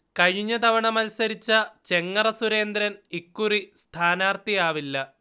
കഴിഞ്ഞതവണ മത്സരിച്ച ചെങ്ങറ സുരേന്ദ്രൻ ഇക്കുറി സ്ഥാനാർഥിയാവില്ല